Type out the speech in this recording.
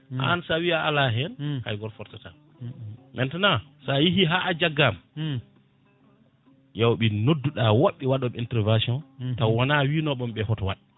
an sa wi a ala hen haygoto forsatama maintenant sa yeehi ha jaggama ƴewɓe nodduɗa wobɓe waɗoɓe intervation taw wona winoɓema ɓe hoto waat